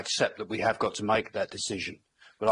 I accept that we have got to make that decision.